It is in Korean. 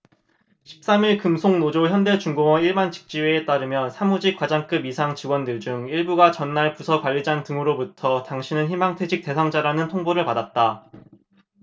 십 삼 일 금속노조 현대중공업 일반직지회에 따르면 사무직 과장급 이상 직원들 중 일부가 전날 부서 관리자 등으로부터 당신은 희망퇴직 대상자라는 통보를 받았다